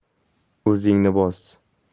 o'zingni bos